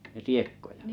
riekkoja